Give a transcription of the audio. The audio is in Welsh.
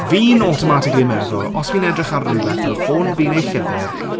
Fi'n automatically yn meddwl os fi'n edrych ar rhywbeth fel ffôn fi neu llyfr...